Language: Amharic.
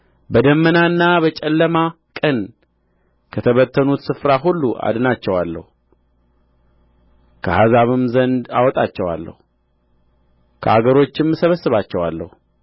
በደመናና በጨለማ ቀን ከተበተኑት ስፍራ ሁሉ አድናቸዋለሁ ከአሕዛብም ዘንድ አወጣቸዋለሁ ከአገሮችም እሰበስባቸዋለሁ